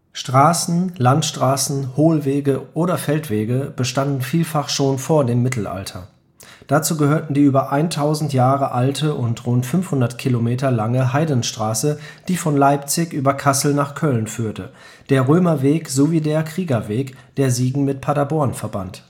Straßen, Landstraßen, Hohlwege oder Feldwege bestanden vielfach schon vor dem Mittelalter. Dazu gehörten die über 1000 Jahre alte und rund 500 km lange Heidenstraße, die von Leipzig über Kassel nach Köln führte, der Römerweg sowie der Kriegerweg, der Siegen mit Paderborn verband